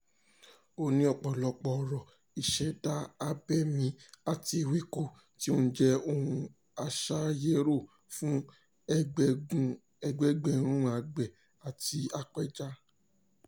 Ó ní ọ̀pọ̀lọpọ̀ ọrọ̀ ìṣẹ̀dá abẹ̀mí àti ewéko tí ó jẹ́ ohun ìsayéró fún ẹgbẹẹ̀gbẹ̀rún àgbẹ̀ àti apẹja.